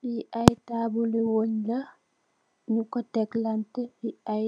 Lii ay taabuli weng la, nyung ko teklaante si ay